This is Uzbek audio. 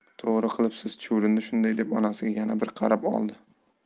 to'g'ri qilibsiz chuvrindi shunday deb onasiga yana bir qarab oldi